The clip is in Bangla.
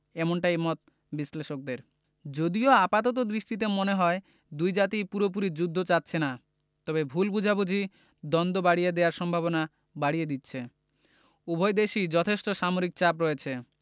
এমনটাই মত বিশ্লেষকদের যদিও আপাতদৃষ্টিতে মনে হয় দুই জাতিই পুরোপুরি যুদ্ধ চাচ্ছে না তবে ভুল বোঝাবুঝি দ্বন্দ্ব বাড়িয়ে দেওয়ার সম্ভাবনা বাড়িয়ে দিচ্ছে উভয় দেশেই যথেষ্ট সামরিক চাপ রয়েছে